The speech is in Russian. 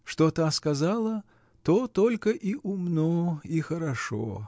Что та сказала, то только и умно, и хорошо.